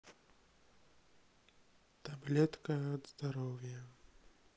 таблетка от здоровья